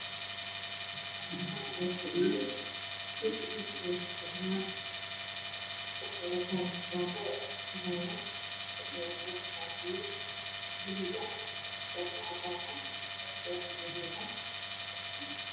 Meshan niman ayaa fadhiya kusri ey ku fadhiyaan wexeey watan kitabo ayeey aqrisanaayan wexeey wataan shatiyo buluug ah shatiyo cadan ah shati madoow ah